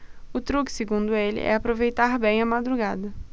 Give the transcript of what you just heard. o truque segundo ele é aproveitar bem a madrugada